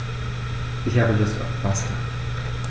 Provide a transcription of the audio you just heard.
Ich habe Lust auf Pasta.